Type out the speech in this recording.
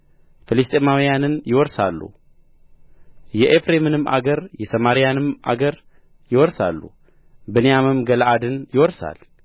ፍልስጥዔማውያንን ይወርሳሉ የኤፍሬምንም አገር የሰማርያንም አገር ይወርሳሉ ብንያምም ገለዓድን ይወርሳል